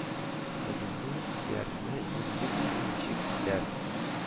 – кызымның кияренә юк бит, ул ничек китәр